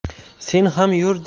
sen ham yur